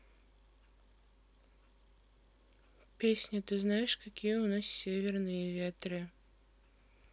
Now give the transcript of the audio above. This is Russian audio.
песня ты знаешь какие у нас северные ветры